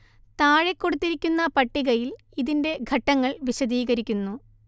താഴെ കൊടുത്തിരിക്കുന്ന പട്ടികയിൽ ഇതിൻറെ ഘട്ടങ്ങൾ വിശദീകരിക്കുന്നു